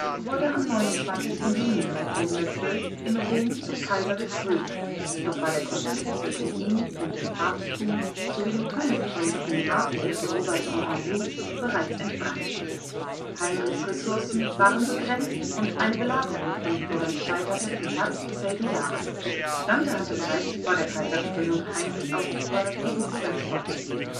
wurde am 29. Juni 1312 in Rom zum Kaiser gekrönt, doch war der Konflikt zwischen ihm und dem Papsttum sowie dem König von Neapel, Robert von Anjou, bereits entbrannt. Heinrichs Ressourcen waren begrenzt, und eine Belagerung von Florenz scheiterte im Herbst desselben Jahres (Dante hatte bereits vor der Kaiserkrönung Heinrich aufgefordert, gegen Florenz vorzugehen